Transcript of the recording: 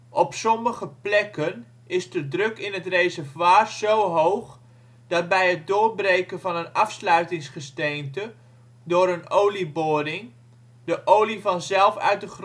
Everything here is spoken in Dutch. Op sommige plekken is de druk in het reservoir zo hoog dat bij het doorbreken van het afsluitingsgesteente (door een olieboring) de olie vanzelf uit de